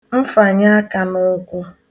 mfànyaakānụ̄ụ̄kwụ̄